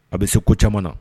A bɛ se ko caman na.